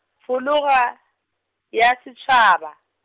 fologa, ya setšhaba.